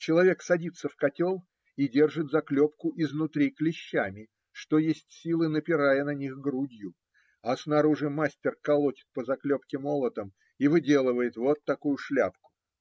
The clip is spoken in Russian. Человек садится в котел и держит заклепку изнутри клещами, что есть силы напирая на них грудью, а снаружи мастер колотит по заклепке молотом и выделывает вот такую шляпку.